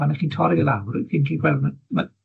Pan 'ych chi'n torri fe lawr, chi'n 'llu gweld ma' ma'r